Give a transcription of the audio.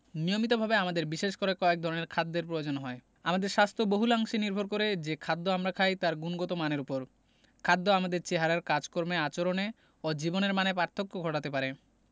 নিয়মিতভাবে আমাদের বিশেষ করে কয়েক ধরনের খাদ্যের পয়োজন হয় আমাদের স্বাস্থ্য বহুলাংশে নির্ভর করে যে খাদ্য আমরা খাই তার গুণগত মানের ওপর খাদ্য আমাদের চেহারার কাজকর্মে আচরণে ও জীবনের মানে পার্থক্য ঘটাতে পারে